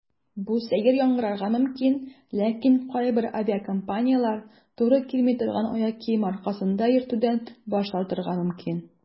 Бу сәер яңгырарга мөмкин, ләкин кайбер авиакомпанияләр туры килми торган аяк киеме аркасында йөртүдән баш тартырга мөмкин.